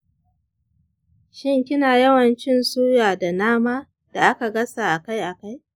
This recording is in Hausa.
shin kina yawan cin suya da nama da aka gasa akai-akai?